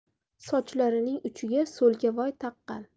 sochlarining uchiga so'lkavoy taqqan